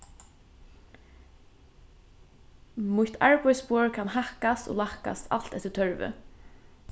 mítt arbeiðsborð kann hækkast og lækkast alt eftir tørvi